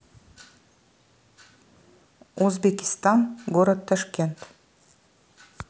узбекистан город ташкент